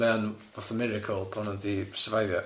mae o'n fatha miracle bo n'w 'di surviveio.